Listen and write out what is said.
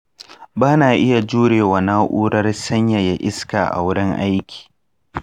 ba na iya jure wa na’urar sanyaya iska a wurin aiki.